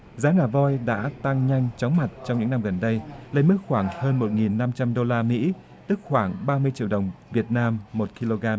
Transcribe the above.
giá ngà voi đã tăng nhanh chóng mặt trong những năm gần đây lên mức khoảng hơn một nghìn năm trăm đô la mỹ tức khoảng ba mươi triệu đồng việt nam một ki lô gam